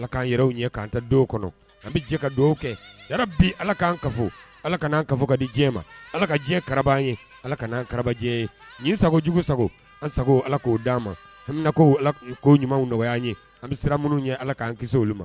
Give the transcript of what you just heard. Alakanan yɛrɛw ɲɛ an ta don kɔnɔ an bɛ jɛ ka dɔw kɛ da bi ala k kanan ka fɔ ala ka anan ka fɔ ka di diɲɛ ma ala ka diɲɛ kararaba an ye ala kan anan kabarabajɛ ye nin sago jugu sago an sago ala k'o d' an ma hamina ko ala ko ɲumanw nɔgɔya ye an bɛ siran minnu ye ala k'an kiw ma